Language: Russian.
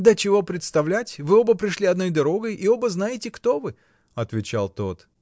— Да чего представлять: вы оба пришли одной дорогой и оба знаете, кто вы! — отвечал тот.